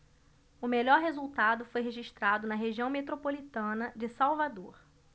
o melhor resultado foi registrado na região metropolitana de salvador